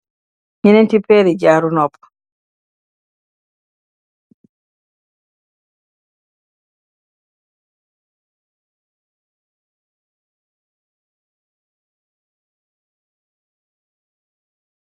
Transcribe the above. Ñènenti pééri jaru nopuh.